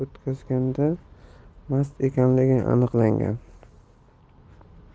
o'tkazilganda mast ekanligi aniqlangan